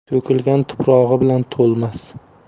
to'kilgan tuprog'i bilan to'lmas